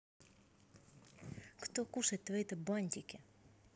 кто кушать твои то бантики